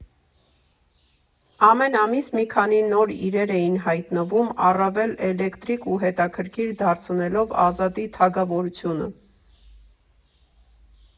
Ամեն ամիս մի քանի նոր իրեր էին հայտնվում՝ առավել էկլեկտիկ ու հետաքրքիր դարձնելով Ազատի թագավորությունը։